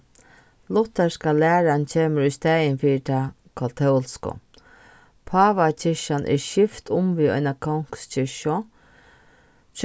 lutherska læran kemur í staðin fyri ta katólsku pávakirkjan er skift um við eina kongskirkju